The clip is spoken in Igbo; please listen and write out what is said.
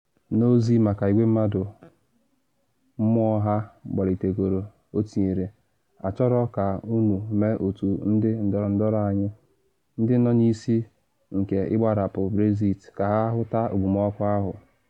N’ozi maka igwe mmadụ mmụọ ha gbalitegoro o tinyere: ‘Achọrọ ka unu mee otu ndị ndọrọndọrọ anyị, ndị nọ n’isi nke ịgbarapụ Brexit, ka ha hụta okpomọkụ ahụ.